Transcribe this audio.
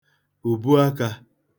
ùbu akā